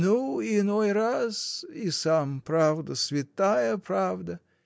— Ну, иной раз и сам: правда, святая правда!